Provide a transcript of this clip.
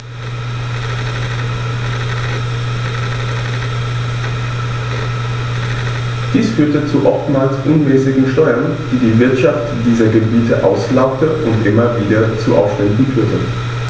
Dies führte zu oftmals unmäßigen Steuern, die die Wirtschaft dieser Gebiete auslaugte und immer wieder zu Aufständen führte.